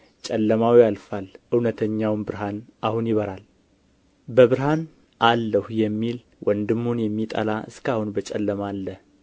ጨለማው ያልፋልና እውነተኛውም ብርሃን አሁን ይበራል በብርሃን አለሁ የሚል ወንድሙንም የሚጠላ እስከ አሁን በጨለማ አለ